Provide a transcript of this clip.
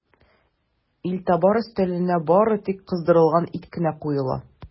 Илтабар өстәленә бары тик кыздырылган ит кенә куела.